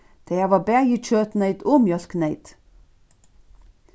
tey hava bæði kjøtneyt og mjólkneyt